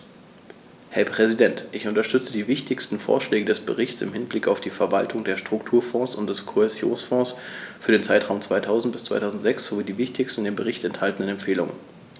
Herr Präsident, ich unterstütze die wichtigsten Vorschläge des Berichts im Hinblick auf die Verwaltung der Strukturfonds und des Kohäsionsfonds für den Zeitraum 2000-2006 sowie die wichtigsten in dem Bericht enthaltenen Empfehlungen.